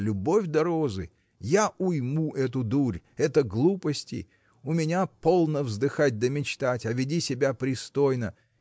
любовь да розы, – я уйму эту дурь, это – глупости! у меня полно вздыхать да мечтать а веди себя пристойно